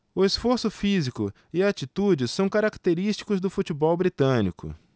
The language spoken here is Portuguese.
o esforço físico e a atitude são característicos do futebol britânico